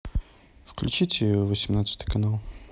включите восемнадцатый канал